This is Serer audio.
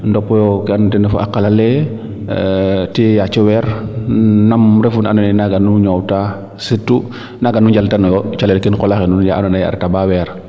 ndok no kee ando naye ten refu a qala le tiye yaaco weer nam refu naa ando naye naaga nu ñoowtaa surtout naaga nu njaltano yo calel ke qola xe nuun yaa ando naye a reta baa weer